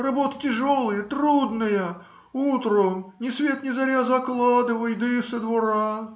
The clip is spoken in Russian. Работа тяжелая, трудная: утром, ни свет ни заря, закладывай - да со двора.